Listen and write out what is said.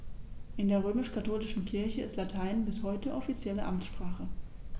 In der römisch-katholischen Kirche ist Latein bis heute offizielle Amtssprache.